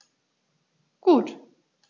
Gut.